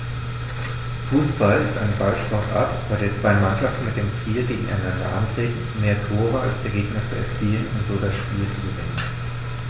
Fußball ist eine Ballsportart, bei der zwei Mannschaften mit dem Ziel gegeneinander antreten, mehr Tore als der Gegner zu erzielen und so das Spiel zu gewinnen.